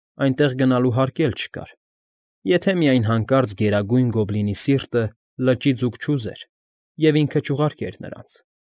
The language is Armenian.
Այնտեղ գնալու հարկ էլ չկար, եթե միայն հանկարծ Գերագույն Գոբլինի սիրտը լճի ձուկ չուզեր և ինքը չուղարկեր նրանց։